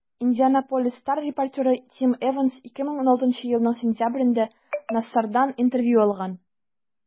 «индианаполис стар» репортеры тим эванс 2016 елның сентябрендә нассардан интервью алган.